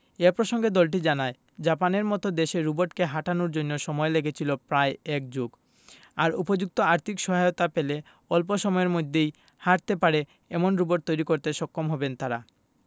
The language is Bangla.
এ প্রসঙ্গে দলটি জানায় জাপানের মতো দেশে রোবটকে হাঁটানোর জন্য সময় লেগেছিল প্রায় এক যুগ আর উপযুক্ত আর্থিক সহায়তা পেলে অল্প সময়ের মধ্যেই হাঁটতে পারে এমন রোবট তৈরি করতে সক্ষম হবেন তারা